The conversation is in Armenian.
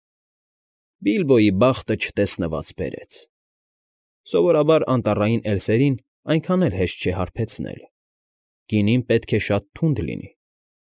Բիլբոյի բախտը չտեսնված բերեց… Սովորաբար անտառային էլֆերին այնքան էլ հեշտ չէ հարբեցնելը՝ գինին պետք է շատ թունդ լինի։